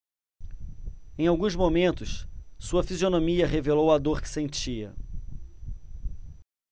em alguns momentos sua fisionomia revelou a dor que sentia